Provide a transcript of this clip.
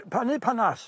Yy panu panas.